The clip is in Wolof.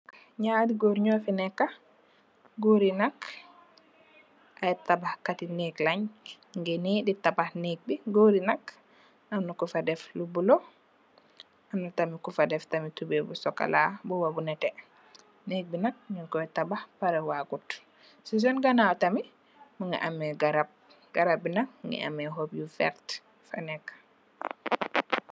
Nyarri goor nyufi nekka goor yi nak ay tabax kati neek leen nyungi ni di tabax neek bi. Goor yi nak amna kufa def lu bulo amna kufa daf tamid tubey bu sokola mboba bu nete. Neeg bi nak nyung koi tabax wa paregut, ci seen gannaw nak mungi am ay garap, garap yi nak xop yu verte.